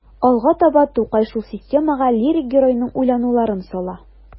Алга таба Тукай шул системага лирик геройның уйлануларын сала.